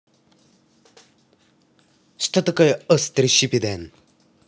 что такое острый shippuden